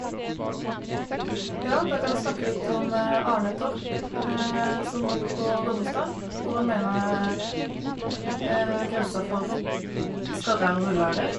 Ja, da kan jeg snakke litt om Arne Torp, som bor på Goderstad, hvor han mener grensa for skarre-r og rulle-r er.